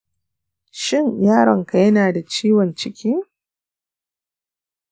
shin yaronka yana da ciwon ciki?